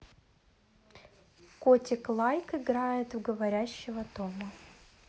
котик лайк играет в говорящего тома